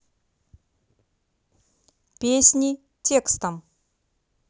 песни текстом